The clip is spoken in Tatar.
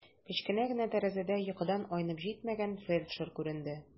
Кечкенә генә тәрәзәдә йокыдан айнып җитмәгән фельдшер күренде.